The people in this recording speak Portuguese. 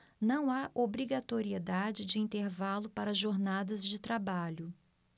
não há obrigatoriedade de intervalo para jornadas de trabalho